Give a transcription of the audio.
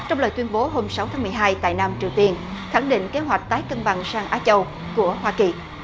trong lời tuyên bố hôm sáu tháng mười hai tại nam triều tiên khẳng định kế hoạch tái cân bằng sang á châu của hoa kỳ